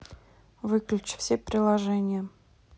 выключи все приложения